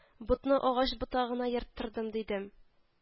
Ботны агач ботагына ерттырдым, дидем